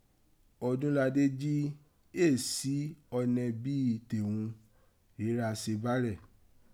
Odunlade jí éè si ọnẹ bí tèghun rèé ra se bá rẹ.